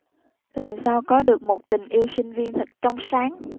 làm sao có được một tình yêu sinh viên thật trong sáng